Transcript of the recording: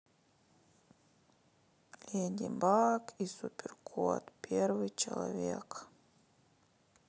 леди баг и суперкот первый человек